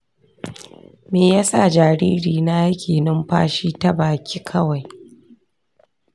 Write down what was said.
me ya sa jaririna yake numfashi ta baki kawai?